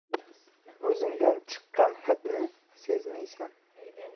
o'zingdan chiqqan hidni sezmaysan